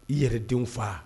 I yɛrɛ denw fa